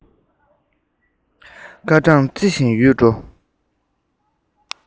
སྐར གྲངས རྩི བཞིན ཡོད འགྲོ